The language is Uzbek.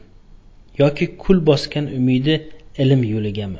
yoki qul bosgan umidi ilm yo'ligami